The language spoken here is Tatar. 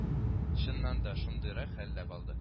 Чыннан да, шундыйрак хәлдә калды